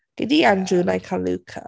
Gei di Andrew... ie ...a wna i cael Luca.